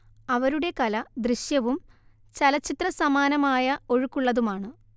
അവരുടെ കല ദൃശ്യവും ചലച്ചിത്രസമാനമായ ഒഴുക്കുള്ളതുമാണ്‌